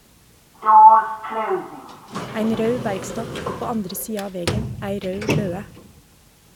Ein raud verkstad og på andre sida av vegen, ei raud løe.